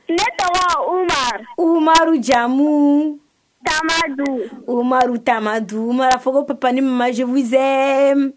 Ne tɔgɔ u maru umaru jamu tama umaru tama dun marap ni majze